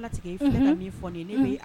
Lala I filɛ ka min fɔ nin ye